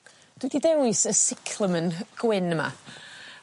Dwi 'di dewis y cyclamen gwyn yma.